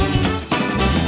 nhé